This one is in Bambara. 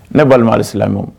Ne balima hali silamɛ